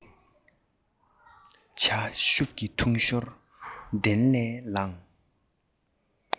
ཇ ཤུགས ཀྱིས འཐུང ཞོར གདན ལས ལངས